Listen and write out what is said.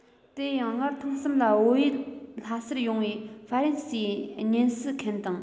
དེ ཡང སྔར ཐེངས གསུམ ལ བོད ཡུལ ལྷ སར ཡོང བའི ཧྥ རན སིའི ཉེན བསུ མཁན དང